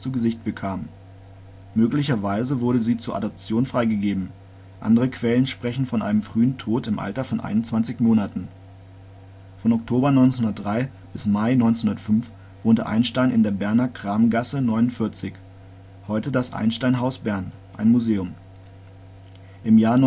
Gesicht bekam. Möglicherweise wurde sie zur Adoption freigegeben, andere Quellen sprechen von einem frühen Tod im Alter von 21 Monaten. Von Oktober 1903 bis Mai 1905 wohnte Einstein in der Berner Kramgasse 49 – heute das Einstein-Haus Bern, ein Museum. Im Jahr